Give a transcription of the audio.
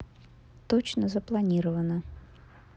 точно запланировано